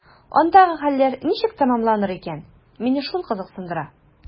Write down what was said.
Андагы хәлләр ничек тәмамланыр икән – мине шул кызыксындыра.